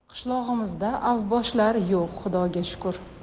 qishlog'imizda avboshlar yo'q xudoga shukr